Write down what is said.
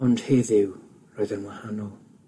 ond heddiw roedd yn wahanol.